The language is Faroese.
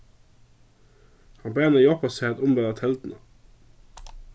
hann bað hana hjálpa sær at umvæla telduna